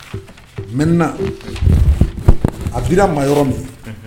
Mɛ a bi maa yɔrɔ min